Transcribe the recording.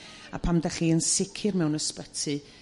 A pam 'dach chi yn sicr mewn ysbyty